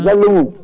e galle mum